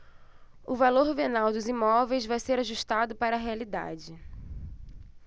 o valor venal dos imóveis vai ser ajustado para a realidade